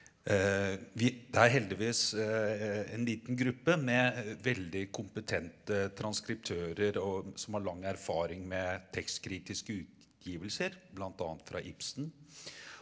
vi det er heldigvis en liten gruppe med veldig kompetente transkriptører og som har lang erfaring med tekstkritiske utgivelser, bl.a. fra Ibsen.